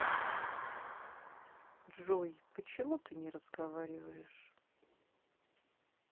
джой почему ты не разговариваешь